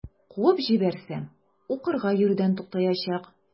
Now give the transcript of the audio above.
Куып җибәрсәм, укырга йөрүдән туктаячак.